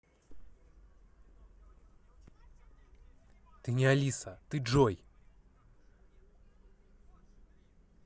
ты не алиса ты джой